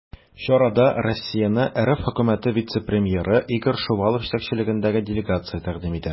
Чарада Россияне РФ Хөкүмәте вице-премьеры Игорь Шувалов җитәкчелегендәге делегация тәкъдим итә.